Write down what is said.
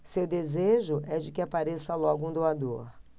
seu desejo é de que apareça logo um doador